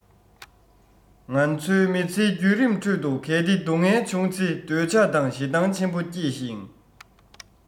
ང ཚོའི མི ཚེའི བརྒྱུད རིམ ཁྲོད དུ གལ ཏེ སྡུག བསྔལ བྱུང ཚེ འདོད ཆགས དང ཞེ སྡང ཆེན པོ སྐྱེས ཤིང